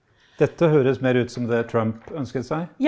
dette høres mer ut som det Trump ønsket seg.